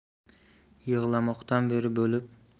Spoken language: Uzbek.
yig'lamoqdan beri bo'lib